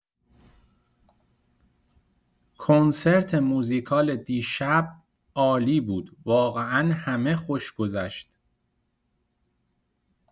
کنسرت موزیکال دیشب عالی بود، واقعا همه خوش گذشت.